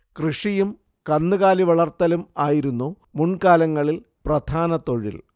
കൃഷിയും കന്നുകാലി വളർത്തലും ആയിരുന്നു മുൻകാലങ്ങളിൽ പ്രധാന തൊഴിൽ